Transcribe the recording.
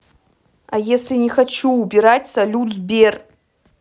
а если не хочу убирать салют сбер